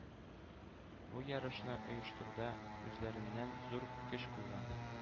Бу ярышны оештыруда үзләреннән зур көч куйган